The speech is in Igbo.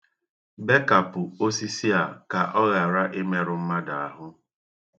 Bekapụ osisi a ka ọ ghara imerụ mmadụ ahụ.